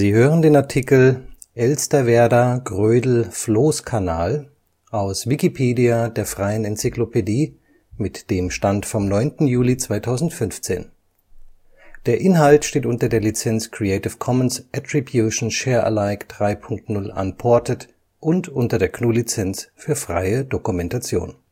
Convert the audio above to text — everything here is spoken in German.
hören den Artikel Elsterwerda-Grödel-Floßkanal, aus Wikipedia, der freien Enzyklopädie. Mit dem Stand vom Der Inhalt steht unter der Lizenz Creative Commons Attribution Share Alike 3 Punkt 0 Unported und unter der GNU Lizenz für freie Dokumentation